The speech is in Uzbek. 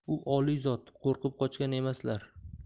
u oliy zot qo'rqib qochgan emaslar